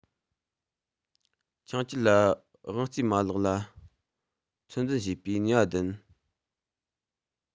ཆང བཅུད ལ དབང རྩའི མ ལག ལ ཚོད འཛིན བྱེད པའི ནུས པ ལྡན